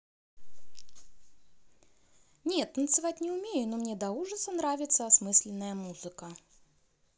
не танцевать не умею но мне до ужаса нравится осмысленная музыка